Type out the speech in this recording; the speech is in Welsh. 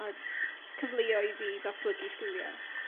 a c- cyfleoedd i ddatblygu sgilie?